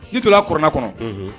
Ni tun kna kɔnɔ